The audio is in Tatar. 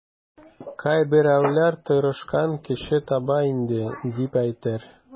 Кайберәүләр тырышкан кеше таба инде, дип әйтер.